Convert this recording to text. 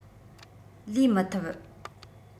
ལས མི ཐུབ